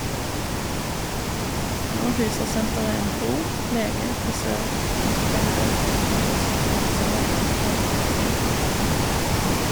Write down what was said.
Nå huser senteret en kro, lege, frisør, fysioterapeut, videokiosk, en pizzabaker og en kebabsjappe.